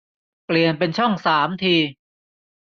เปลี่ยนเป็นช่องสามที